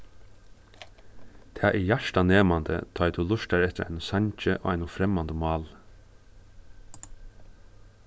tað er hjartanemandi tá ið tú lurtar eftir einum sangi á einum fremmandum máli